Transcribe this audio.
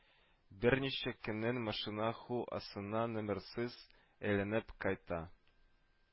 Берничә көннән машина ху асына номерсыз әйләнеп кайта